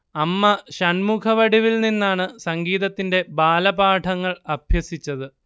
അമ്മ ഷൺമുഖവടിവിൽ നിന്നാണ് സംഗീതത്തിന്റെ ബാലപാഠങ്ങൾ അഭ്യസിച്ചത്